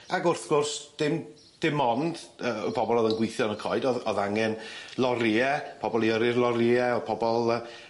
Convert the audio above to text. Ag wrth gwrs dim dim ond yy y bobol o'dd yn gwithio yn y coed o'dd o'dd angen lorrie pobol i yrru'r lorrie o'dd pobol yy